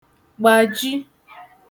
gbàji